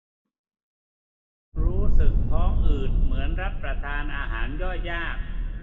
รู้สึกท้องอืดเหมือนรับประทานอาหารย่อยยาก